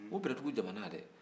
o bɛlɛdugu jamana dɛ